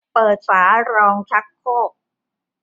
เปิดฝารองชักโครก